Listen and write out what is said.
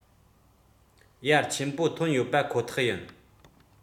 ཡར ཆེན པོ ཐོན ཡོད པ ཁོ ཐག ཡིན